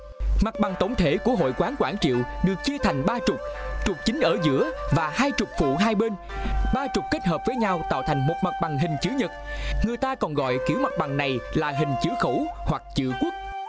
mặt bằng tổng thể của hội quán quảng triệu được chia thành ba trục trục chính ở giữa và hai trục phụ hai bên ba trục kết hợp với nhau tạo thành một mặt bằng hình chữ nhật người ta còn gọi kiểu mặt bằng này là hình chữ cũ hoặc chữ quốc